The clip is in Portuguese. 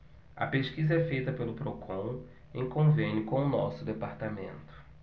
a pesquisa é feita pelo procon em convênio com o diese